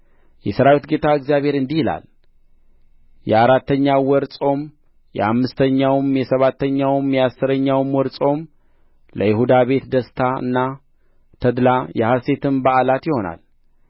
የሠራዊት ጌታ እግዚአብሔር እንዲህ ይላል የአራተኛው ወር ጾም የአምስተኛውም የሰባተኛውም የአሥረኛውም ወር ጾም ለይሁዳ ቤት ደስታና ተድላ የሐሤትም በዓላት ይሆናል